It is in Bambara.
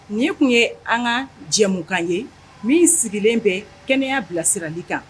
Nin tun ye an ka jɛmukan ye min sigilen bɛ kɛnɛyaya bilasirali kan.